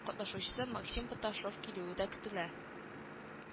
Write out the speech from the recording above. Катнашучысы максим паташов килүе дә көтелә